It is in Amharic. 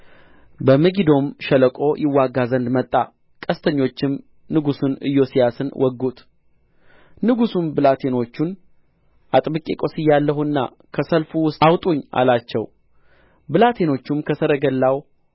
በመጊዶም ሸለቆ ይዋጋ ዘንድ መጣ ቀስተኞችም ንጉሡን ኢዮስያስን ወጉት ንጉሡም ብላቴናዎቹን አጥብቄ ቈስያለሁና ከሰልፉ ውስጥ አውጡኝ አላቸው ብላቴኖቹም ከሰረገላው